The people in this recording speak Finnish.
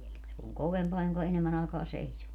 se on kovempaa jonka enemmän aikaa seisoo